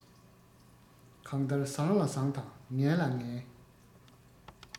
གང ལྟར བཟང ལ བཟང དང ངན ལ ངན